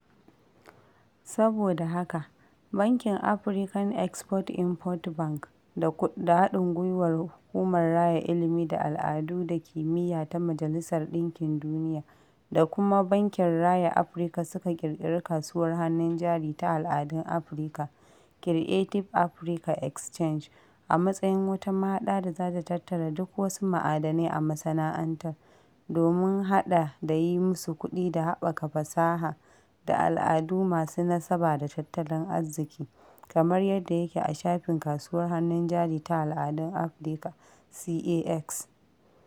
Saboda haka, bankin African Export-Import Bank da haɗin gwiwar Hukumar Raya Ilimi da Al'adu da Kimiyya Ta Majalisar ɗinkin Duniya da kuma Bankin Raya Afirka suka ƙirƙiri kasuwar hannun jari ta al'adun Afirka 'Creative Africa Exchange' a matsayin wata mahaɗa da za ta tattara duk wasu ma'adanai a masana'antar domin haɗa da yi musu kuɗi da haɓaka fasaha da al'adu masu nasaba da tattalin arziki, kamar yadda yake a shafin Kasuwar Hannun Jari ta al'adun Afirka (CAX).